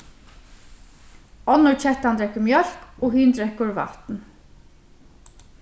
onnur kettan drekkur mjólk og hin drekkur vatn